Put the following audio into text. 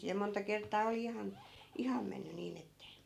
ja monta kertaa oli ihan ihan mennyt niin että